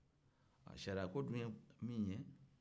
sariyako dun ye min ye